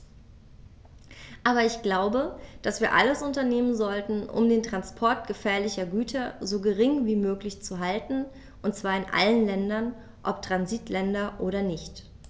Aber ich glaube, dass wir alles unternehmen sollten, um den Transport gefährlicher Güter so gering wie möglich zu halten, und zwar in allen Ländern, ob Transitländer oder nicht.